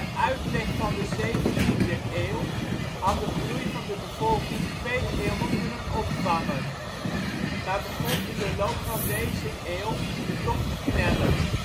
van de zeventiende eeuw had de groei van de bevolking twee eeuwen kunnen opvangen, maar begon in de loop van deze eeuw toch te knellen